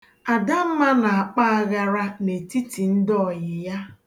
Adamma na-akpa aghara n'etiti ndi ọyị ya.